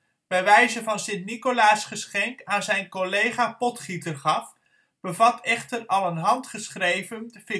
bij wijze van St.-Nicolaasgeschenk aan zijn collega Potgieter gaf, bevat echter al een handgeschreven